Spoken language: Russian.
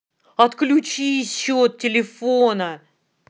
отключись счет телефона